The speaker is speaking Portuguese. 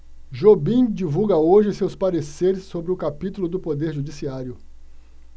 jobim divulga hoje seus pareceres sobre o capítulo do poder judiciário